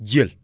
jël